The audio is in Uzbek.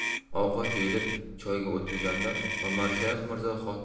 ovqat yeyilib choyga o'tilganda umarshayx mirzo